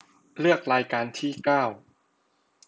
เลือกรายการที่เก้า